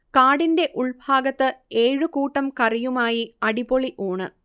കാടിന്റ ഉൾഭാഗത്ത് ഏഴുകൂട്ടം കറിയുമായി അടിപൊളി ഊണ്